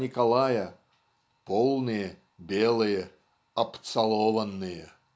Николая - "полные, белые, обцалованные"